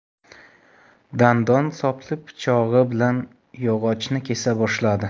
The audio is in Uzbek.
dandon sopli pichog'i bilan yog'ochni kesa boshladi